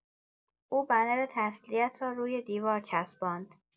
او بنر تسلیت را روی دیوار چسباند